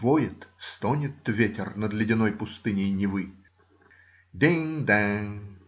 Воет, стонет ветер над ледяной пустыней Невы. "Динг-данг!